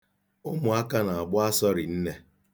Ụmụaka na-agbụ asụ rinne.